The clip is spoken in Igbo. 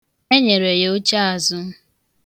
Enyere ya oche azụ.